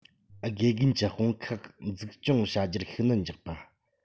དགེ རྒན གྱི དཔུང ཁག འཛུགས སྐྱོང བྱ རྒྱུར ཤུགས སྣོན རྒྱག པ